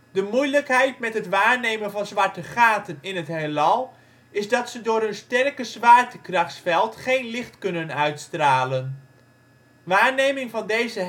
De moeilijkheid met het waarnemen van zwarte gaten in het heelal is dat ze door hun sterke zwaartekrachtsveld geen licht kunnen uitstralen. Waarneming van deze